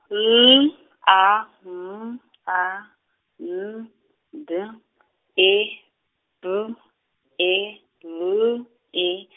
L, A, M , A, N, D, E, B, E, L, E .